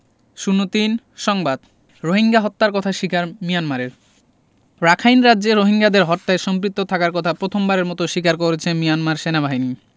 ০৩ সংবাদ রোহিঙ্গা হত্যার কথা স্বীকার মিয়ানমারের রাখাইন রাজ্যে রোহিঙ্গাদের হত্যায় সম্পৃক্ত থাকার কথা প্রথমবারের মতো স্বীকার করেছে মিয়ানমার সেনাবাহিনী